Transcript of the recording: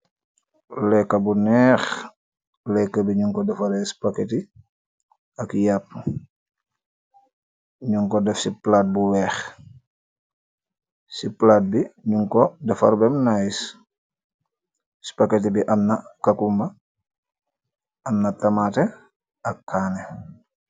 Leka bu nexx leka bi nyun ko defarr spaghetti ak yappa nyun ko deff ci palat bu weex ci palat bi nyu ko defar beem nic spaghetti am na cacumba am na tamate ak kanex.